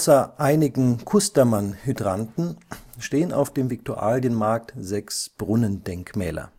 Außer einigen Kustermann-Hydranten stehen auf dem Viktualienmarkt sechs Brunnendenkmäler